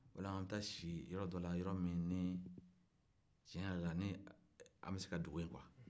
ola an bɛ taa si yɔrɔ dɔ la yɔrɔ min tiɲɛ yɛrɛ la nin an bɛ se ka dogo yen kɔ